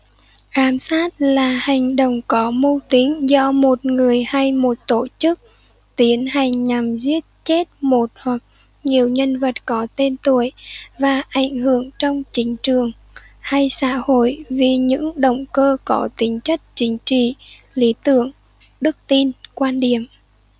ám sát là hành động có mưu tính do một người hay một tổ chức tiến hành nhằm giết chết một hoặc nhiều nhân vật có tên tuổi và ảnh hưởng trong chính trường hay xã hội vì những động cơ có tính chất chính trị lý tưởng đức tin quan điểm